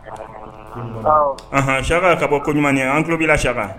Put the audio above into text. Sika ka bɔ ko ɲuman an tulolobilayanka